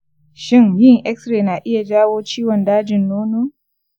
shin yin x-ray na iya jawo ciwon dajin nono?